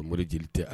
Mori jeli tɛ